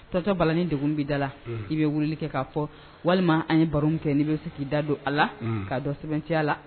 Tɔtɔbani deg bɛ da la i bɛ wulili kɛ k kaa fɔ walima an ye baro kɛ n'i bɛ se k'i da don a la k'a dɔn sɛbɛncɛya la